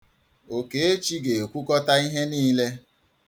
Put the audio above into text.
Okechi ga-ekwukọta ihe niile.